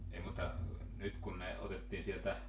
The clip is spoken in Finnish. ei mutta nyt kun ne otettiin sieltä